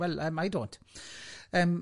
Well, I don't.